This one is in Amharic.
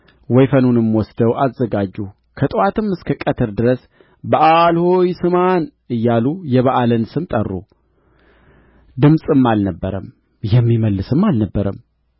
ወይፈኑንም ወስደው አዘጋጁ ከጠዋትም እስከ ቀትር ድረስ በኣል ሆይ ስማን እያሉ የበኣልን ስም ጠሩ ድምፅም አልነበረም የሚመልስም አልነበረም